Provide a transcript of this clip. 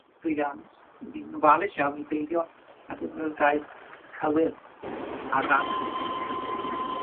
o'dd 'i'n ofalus iawn i beidio â defnyddio'r gair cywir ag anghywi.